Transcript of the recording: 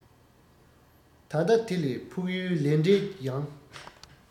ད ལྟ དེ ལས ཕུགས ཡུལ ལས འབྲས ཡང